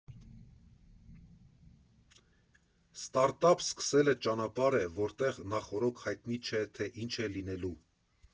Ստարտափ սկսելը ճանապարհ է, որտեղ նախօրոք հայտնի չէ, թե ինչ է լինելու։